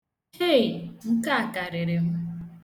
Hei! Nke a karịrị m.